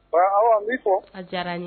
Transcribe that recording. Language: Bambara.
Aw bi fɔ a diyara n ye